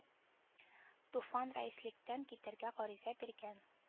Туфан рәислектән китәргә гариза биргән